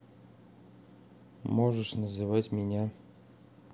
можешь называть меня